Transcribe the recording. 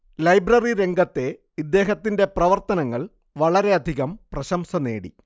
library രംഗത്തെ ഇദ്ദേഹത്തിന്റെ പ്രവർത്തനങ്ങൾ വളരെയധികം പ്രശംസ നേടി